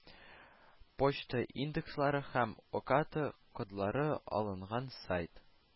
Почта индекслары һәм ОКАТО кодлары алынган сайт